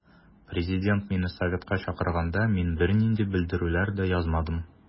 Президент мине советка чакырганда мин бернинди белдерүләр дә язмадым.